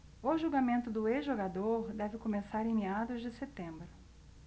o julgamento do ex-jogador deve começar em meados de setembro